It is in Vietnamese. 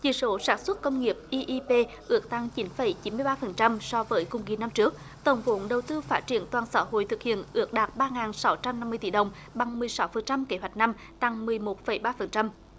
chỉ số sản xuất công nghiệp i i pê ước tăng chín phẩy chín mươi ba phần trăm so với cùng kỳ năm trước tổng vốn đầu tư phát triển toàn xã hội thực hiện ước đạt ba ngàn sáu trăm năm mươi tỷ đồng bằng mười sáu phần trăm kế hoạch năm tăng mười một phẩy ba phần trăm